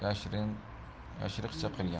ishni yashiriqcha qilgan